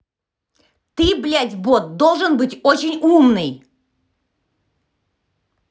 ты блядь бот должен быть очень умный